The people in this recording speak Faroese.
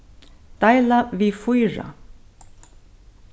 deila við fýra